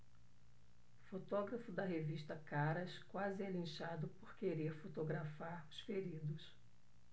fotógrafo da revista caras quase é linchado por querer fotografar os feridos